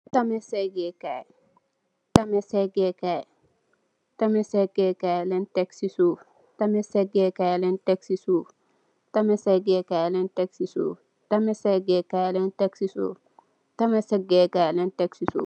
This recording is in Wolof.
Tameh sengeh Kai lèèn tek si suuf.